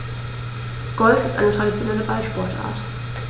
Golf ist eine traditionelle Ballsportart.